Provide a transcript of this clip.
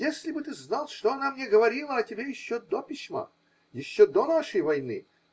-- Если бы ты знал, что она мне говорила о тебе еще до письма! Еще до нашей войны!